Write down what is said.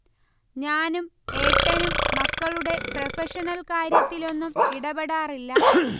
ഞാനും ഏട്ടനും മക്കളുടെ പ്രൊഫഷണൽ കാര്യത്തിലൊന്നും ഇടപെടാറില്ല